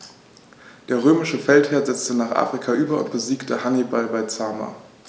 Der römische Feldherr setzte nach Afrika über und besiegte Hannibal bei Zama.